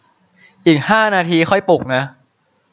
อีกห้านาทีค่อยปลุกนะ